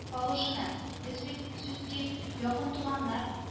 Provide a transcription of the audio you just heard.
Положено, без бит, сүтки, якын туганнар